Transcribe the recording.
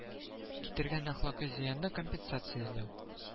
Китергән әхлакый зыянны компенсацияләү